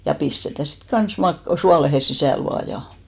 ja pistetään sitten kanssa - suoleen sisälle vain ja